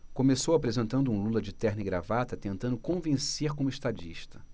começou apresentando um lula de terno e gravata tentando convencer como estadista